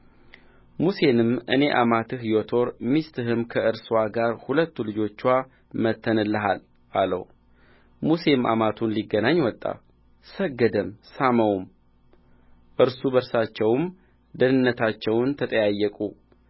ሙሴንም እኔ አማትህ ዮቶር ሚስትህም ከእርስዋም ጋር ሁለቱ ልጆችዋ መጥተንልሃል አለው ሙሴም አማቱን ሊገናኝ ወጣ ሰገደም ሳመውም እርስ በርሳቸውም ደኅንነታቸውን ተጠያየቁ